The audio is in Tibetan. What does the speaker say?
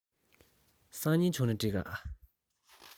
སང ཉིན བྱུང ན འགྲིག ག